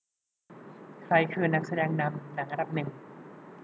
ใครคือนักแสดงนำหนังอันดับหนึ่ง